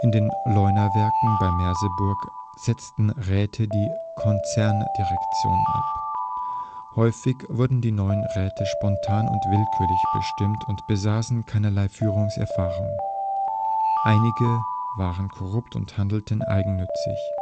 den Leunawerken bei Merseburg setzten Räte die Konzerndirektion ab. Häufig wurden die neuen Räte spontan und willkürlich bestimmt und besaßen keinerlei Führungserfahrung. Einige waren korrupt und handelten eigennützig